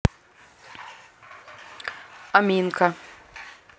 аминка